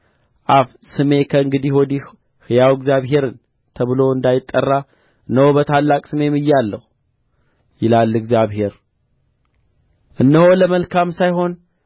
አፍ ስሜ ከእንግዲህ ወዲህ ሕያው እግዚአብሔርን ተብሎ እንዳይጠራ እነሆ በታላቅ ስሜ ምያለሁ ይላል እግዚአብሔር እነሆ ለመልካም ሳይሆን